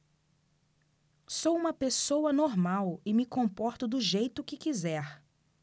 sou homossexual e me comporto do jeito que quiser